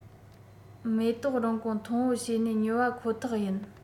མེ ཏོག རིན གོང མཐོ བོ བྱེད ནས ཉོ བ ཁོ ཐག ཡིན